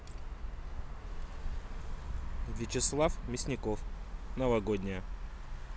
вячеслав мясников новогодняя